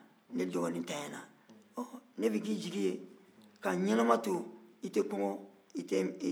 ɔ ne bɛ k'i jigi ye ka n ɲɛnama to i tɛ kɔngɔ i tɛ malo